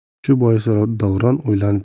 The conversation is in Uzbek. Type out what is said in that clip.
shu bois davron o'ylab